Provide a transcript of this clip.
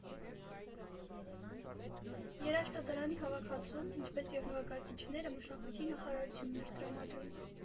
Երաժշտադարանի հավաքածուն, ինչպես և նվագարկիչները, Մշակույթի նախարարությունն էր տրամադրում։